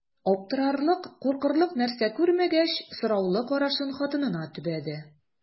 Аптырарлык, куркырлык нәрсә күрмәгәч, сораулы карашын хатынына төбәде.